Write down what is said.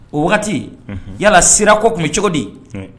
O wagati. Unhun! Yala sira ko tun bɛ cogo di? Un!